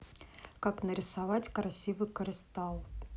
как нарисовать красивый кристалл